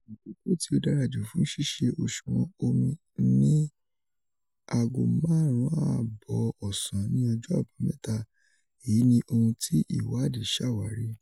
Àkókò tí ó dàrájù fún ṣíṣe òṣùwọ̀n omi ni 5:30 ọ̀sán ní ọjọ́ àbámẹ́ta, èyí ni ohun tí ìwáàdí ṣàwárí.